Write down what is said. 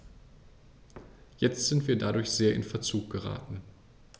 Jetzt sind wir dadurch sehr in Verzug geraten.